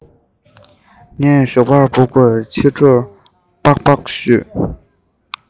ངས ཞོགས པར འབུ བརྐོས ཕྱི དྲོར པགས པ བཤུས